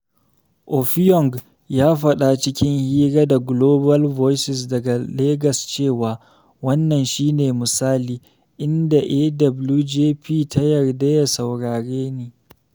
Offiong ya faɗa cikin hira da Gloval Voices daga Legas cewa. ''wannan shi ne misali, inda AWJP ya yarda ya saurare ni''